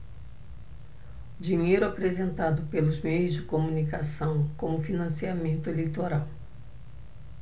dinheiro apresentado pelos meios de comunicação como financiamento eleitoral